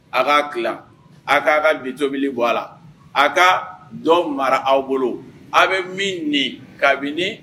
A k'a tila, a k'a ka bi tobili bɔ a la , a ka dɔ mara aw bolo, aw bɛ min nin kabini